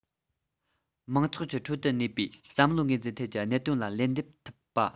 མང ཚོགས ཀྱི ཁྲོད དུ གནས པའི བསམ བློའི ངོས འཛིན ཐད ཀྱི གནད དོན ལ ལན འདེབས ཐུབ པ